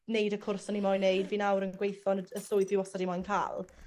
neud y cwrs o'n i moyn neud fi nawr yn gweitho yn y t- y swydd fi wostod 'di moyn ca'l.